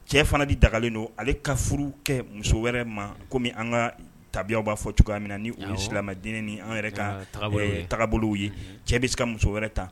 Cɛ fana de dagalen don ale ka furu kɛ muso wɛrɛ ma kɔmi an ka tabiw b'a fɔ cogoya min na ni o ye silamɛya dinɛ ni an yɛrɛ ka ye taabolo wɛrɛ ye cɛ bɛ se ka muso wɛrɛ ta